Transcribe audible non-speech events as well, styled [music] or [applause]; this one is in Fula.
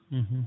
[hesitation] [hesitation]